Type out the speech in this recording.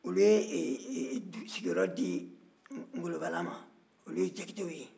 olu ye sigiyɔrɔ di e e ngolobala ma olu ye jakitew ye